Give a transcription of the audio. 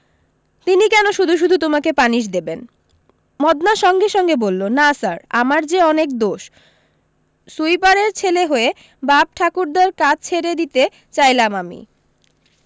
তিনি কেন শুধু শুধু তোমাকে পানিশ দেবেন মদনা সঙ্গে সঙ্গে বললো না স্যার আমার যে অনেক দোষ সুইপারের ছেলে হয়ে বাপ ঠাকুরদার কাজ ছেড়ে দিতে চাইলাম আমি